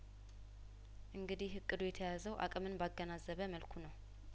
እንግዲህ እቅዱ የተያዘው አቅምን ባገናዘበመልኩ ነው